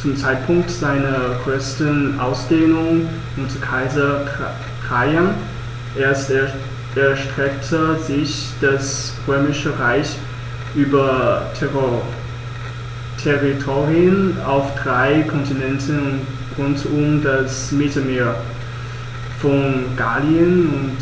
Zum Zeitpunkt seiner größten Ausdehnung unter Kaiser Trajan erstreckte sich das Römische Reich über Territorien auf drei Kontinenten rund um das Mittelmeer: Von Gallien und